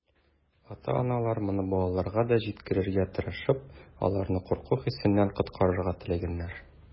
Ата-аналар, моны балаларга да җиткерергә тырышып, аларны курку хисеннән коткарырга теләгәннәр.